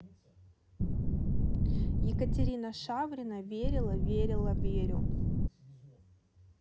екатерина шаврина верила верила верю